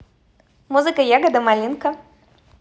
музыка ягода малинка